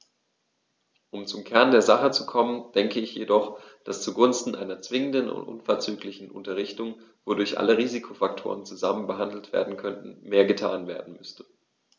Um zum Kern der Sache zu kommen, denke ich jedoch, dass zugunsten einer zwingenden und unverzüglichen Unterrichtung, wodurch alle Risikofaktoren zusammen behandelt werden könnten, mehr getan werden müsste.